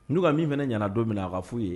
Nu ka min fɛnɛ ɲɛna don min na a ka fu ye.